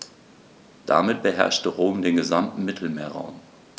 Damit beherrschte Rom den gesamten Mittelmeerraum.